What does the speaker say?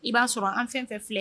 I b'a sɔrɔ an fɛn fɛn filɛ